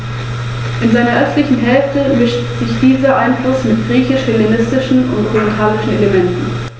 Das „Land der offenen Fernen“, wie die Rhön auch genannt wird, soll als Lebensraum für Mensch und Natur erhalten werden.